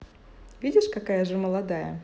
видишь какая же молодая